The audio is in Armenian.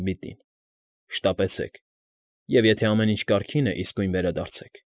Հոբիտին։ ֊ Շտապեցեք, և եթե ամեն ինչ կարգին է, իսկույն վերադարձեք։